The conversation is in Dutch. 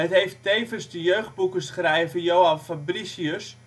heeft tevens de jeugdboekenschrijver Johan Fabricius